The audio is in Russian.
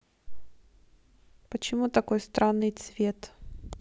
почему такой странный цвет